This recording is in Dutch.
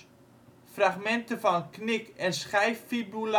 fragmenten van) knik - en schijffibulae